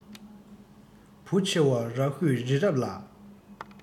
བུ ཆེ བ རཱ ཧུས རི རབ ལ